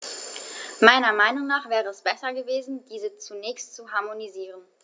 Meiner Meinung nach wäre es besser gewesen, diese zunächst zu harmonisieren.